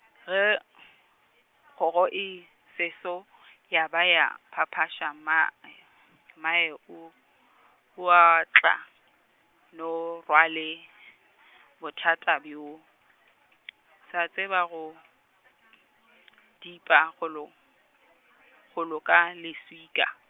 ge , kgogo e, se šo , ya ba ya phaphaša ma , mayo- o, wa tla no rwale, bothata bjo , sa tseba go, bipa kgolo, kgolo ka leswika.